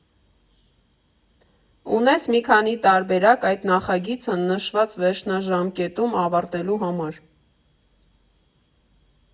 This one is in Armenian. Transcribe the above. Ունես մի քանի տարբերակ այդ նախագիծը նշված վերջնաժամկետում ավարտելու համար։